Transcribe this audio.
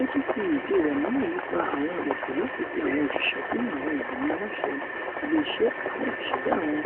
Ó tún fi ìdí rẹ̀ múlẹ̀ nípa àwọn ètò láti fi àwọn òṣìṣẹ́ sínú àwọn ìgbìmọ aláṣẹ ilé iṣẹ̵́ àti láti ṣẹ̀dá Àwọn